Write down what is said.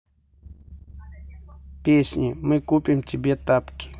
песни мы купим тебе тапки